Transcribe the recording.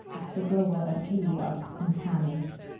Ac fe glywodd e'r ceiliog yn canu.